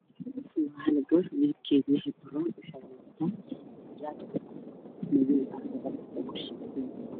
Gabar midikoodu yahay garoon waxay wadataa xijaab qaxoo ah iyo shuko cadaan aduunka ah